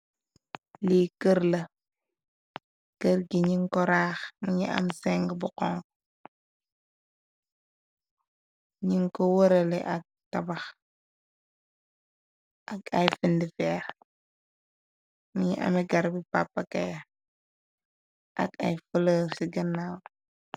Lii kër la, kër gi ñin ko raax, mingi am sengg bu xonxu, ñin ko wërale ak tabax, ak ay findi feer, mungi ame garab bi pappakaya ak ay flër ci gannaaw.